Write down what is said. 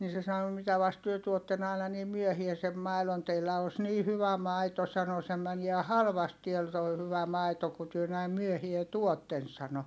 niin se sanoi mitä vasten te tuotte aina niin myöhään sen maidon teillä on niin hyvä maito sanoi se menee halvasti täällä tuo hyvä maito kun te näin myöhään tuotte sanoi